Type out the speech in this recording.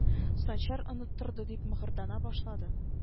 Санчар оныттырды дип мыгырдана башлады